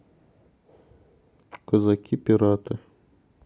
казаки пираты